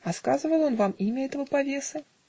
-- А сказывал он вам имя этого повесы?